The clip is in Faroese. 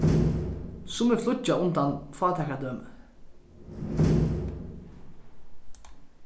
summi flýggja undan fátækadømi